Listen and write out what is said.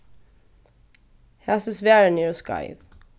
hasi svarini eru skeiv